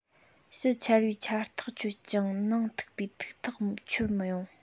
ཕྱི ཆར པའི ཆར ཐག ཆོད ཀྱང ནང ཐིགས པའི ཐིགས ཐག ཆོད མི ཡོང